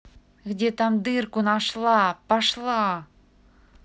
где там дырку нашла пошла